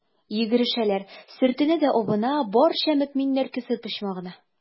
Йөгерешәләр, сөртенә дә абына, барча мөэминнәр «Көфер почмагы»на.